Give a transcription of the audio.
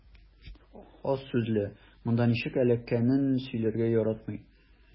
Аз сүзле, монда ничек эләккәнен сөйләргә яратмый.